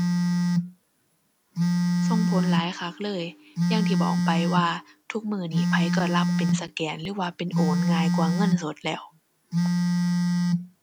ส่งผลหลายคักเลย อย่างที่บอกไปว่าทุกมื้อนี้ไผก็รับเป็นสแกนหรือว่าเป็นโอน ง่ายกว่าเงินสดแล้ว